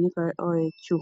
nikoy oe cu.